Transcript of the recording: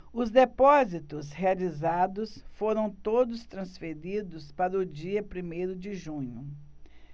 os depósitos realizados foram todos transferidos para o dia primeiro de junho